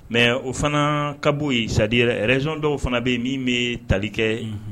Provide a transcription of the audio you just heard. Mɛ o fana ka bɔ sadi yɛrɛ zsonon dɔw fana bɛ yen min bɛ tali kɛ